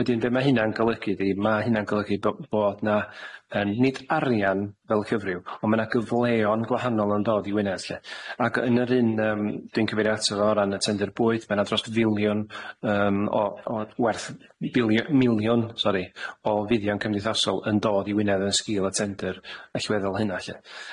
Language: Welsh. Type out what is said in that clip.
Wedyn be' ma' hynna'n golygu ydi ma' hynna'n golygu bo- bod na yym nid arian fel cyfrif on' ma' na gyfleon gwahanol yn dod i Wynedd lly, ag yn yr un yym dwi'n cyfeirio ato fo o ran y tynder bwyd ma' na drost filiwn yym, o o werth bili- miliwn sori, o fuddion cymdeithasol yn dodd i Wynedd yn sgil y tender allweddol hynna lly.